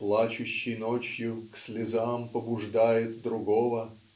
Плачущий ночью к слезам побуждает другого